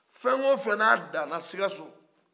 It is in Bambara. fɛn o fɛn ni a dana sikaso